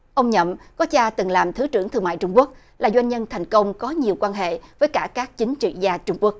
ông nhậm có cha từng làm thứ trưởng thương mại trung quốc là doanh nhân thành công có nhiều quan hệ với cả các chính trị gia trung quốc